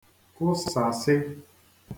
kụsàsị